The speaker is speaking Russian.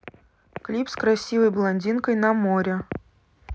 клип с красивой блондинкой на море